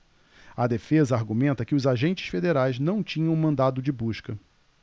a defesa argumenta que os agentes federais não tinham mandado de busca